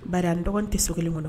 Bari a ni dɔgɔnin tɛ so kelen kɔnɔ